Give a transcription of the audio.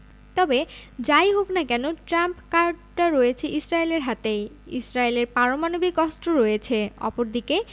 তবে যা ই হোক না কেন ট্রাম্প কার্ডটা রয়েছে ইসরায়েলের হাতেই ইসরায়েলের পারমাণবিক অস্ত্র রয়েছে অপরদিকে